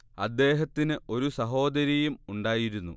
അദ്ദേഹത്തിന് ഒരു സഹോദരിയും ഉണ്ടായിരുന്നു